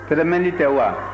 tɛrɛmɛli tɛ wa